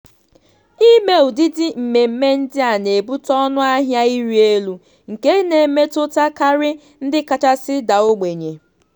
Ime ụdịdị mmemme ndị a na-ebute ọnụahịa ịrị elu, nke na-emetụta karị ndị kachasị daa ogbenye.